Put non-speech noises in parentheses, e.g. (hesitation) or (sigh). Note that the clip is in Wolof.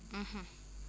(hesitation) (hesitation)